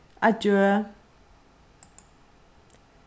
adjø